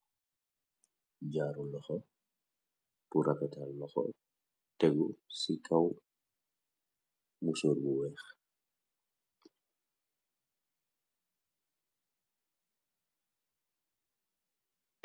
Jaaru loxo bu rafatel noxo tegu ci kaw mu sur bu weex.